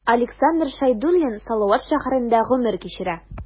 Александр Шәйдуллин Салават шәһәрендә гомер кичерә.